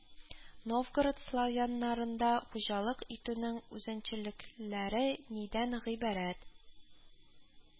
Новгород славяннарында хуҗалык итүнең үзенчәлекләре нидән гыйбарәт